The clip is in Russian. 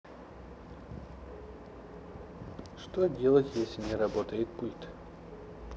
что делать если не работает пульт